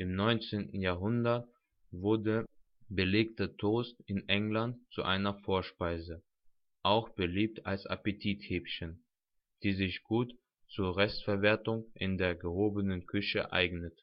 19. Jahrhundert wurde belegter Toast in England zu einer Vorspeise, auch beliebt als Appetithäppchen, die sich gut zur Resteverwertung in der gehobenen Küche eigneten